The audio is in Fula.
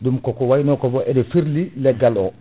ɗum koko wayno koba ene firli leggal o